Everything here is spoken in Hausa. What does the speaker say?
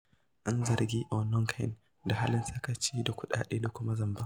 An zargi Onnoghen da halin sakaci da kuɗaɗe da kuma zamba.